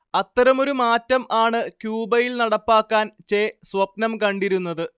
അത്തരമൊരു മാറ്റം ആണ് ക്യൂബയിൽ നടപ്പാക്കാൻ ചെ സ്വപ്നം കണ്ടിരുന്നത്